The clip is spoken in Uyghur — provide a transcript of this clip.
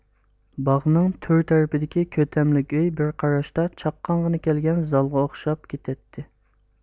باغنىڭ تۆر تەرىپىدىكى كۆتەملىك ئۆي بىر قاراشتا چاققانغىنا كەلگەن زالغا ئوخشاپ كېتەتتى